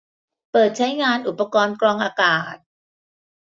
เปิดใช้งานอุปกรณ์กรองอากาศ